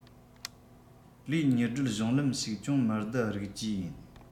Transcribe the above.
ལས མྱུར བགྲོད གཞུང ལམ ཞིག ཅུང མི བསྡུ རིགས བཅས ཡིན